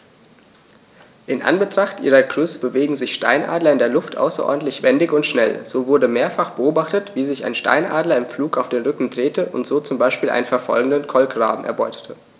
In Anbetracht ihrer Größe bewegen sich Steinadler in der Luft außerordentlich wendig und schnell, so wurde mehrfach beobachtet, wie sich ein Steinadler im Flug auf den Rücken drehte und so zum Beispiel einen verfolgenden Kolkraben erbeutete.